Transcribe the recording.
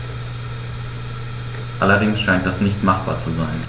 Allerdings scheint das nicht machbar zu sein.